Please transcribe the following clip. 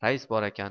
rais borakan